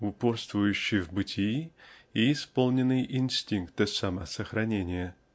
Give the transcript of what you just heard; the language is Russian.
упорствующий в бытии и исполненный инстинкта самосохранения.